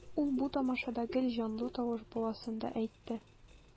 Ул бу тамашада гел җанлы тавыш буласын да әйтте.